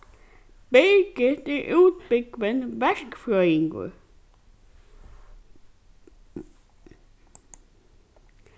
birgit er útbúgvin verkfrøðingur